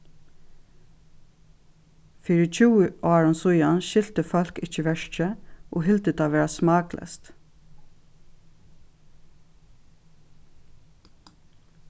fyri tjúgu árum síðani skiltu fólk ikki verkið og hildu tað vera smakkleyst